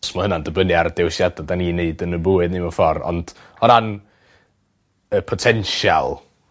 So ma' hwnna'n dibynnu ar dewisiada 'dan ni'n neud yn 'yn bywyd ni mewn ffor ond y potensial